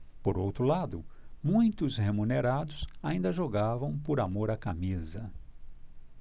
por outro lado muitos remunerados ainda jogavam por amor à camisa